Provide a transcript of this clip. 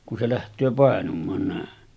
kun se lähtee painumaan näin